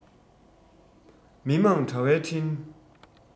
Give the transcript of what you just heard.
མི དམངས དྲ བའི འཕྲིན